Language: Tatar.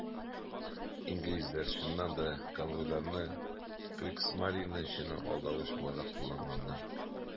Инглизләр, чыннан да, конвойларны Кригсмарине өчен алдавыч буларак кулланганнар.